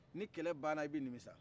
ni kɛlɛ banna i bɛ nimisa